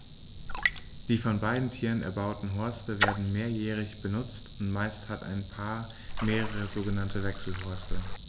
Die von beiden Tieren erbauten Horste werden mehrjährig benutzt, und meist hat ein Paar mehrere sogenannte Wechselhorste.